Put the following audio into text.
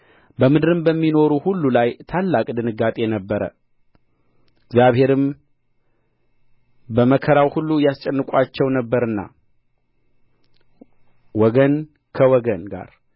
በምድርም በሚኖሩት ሁሉ ላይ ታላቅ ድንጋጤ ነበረ እግዚአብሔር በመከራው ሁሉ ያስጨንቃቸው ነበርና ወገን ከወገን ጋር